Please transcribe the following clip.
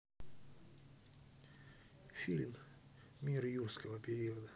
фильм мир юрского периода